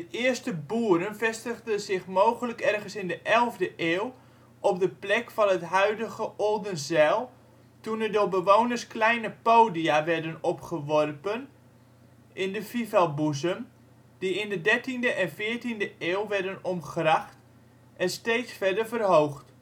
eerste boeren vestigden zich mogelijk ergens in de 11e eeuw op de plek van het huidige Oldenzijl toen er door bewoners kleine podia (huiswierden) werden opgeworpen in de Fivelboezem, die in de 13e en 14e eeuw werden omgracht en steeds verder verhoogd